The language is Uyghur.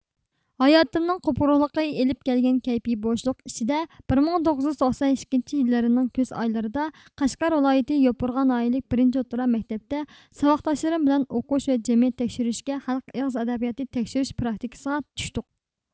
ھاياتىمنىڭ قۇپقۇرۇقلۇقى ئېلىپ كەلگەن كەيپى بوشلۇق ئىچىدە بىر مىڭ توققۇز يۈز توقسەن ئىككىنچى يىللىرىنىڭ كۈز ئايلىرىدا قەشقەر ۋىلايىتى يوپۇرغا ناھىيىلىك بىرىنچى ئوتتۇرا مەكتەپتە ساۋاقداشلىرىم بىلەن ئوقۇش ۋە جەمئىيەت تەكشۈرۈشكە خەلق ئېغىز ئەدەبىياتى تەكشۈرۈش پراكتىكىسىغا چۈشتۇق